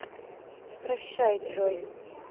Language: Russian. прощай джой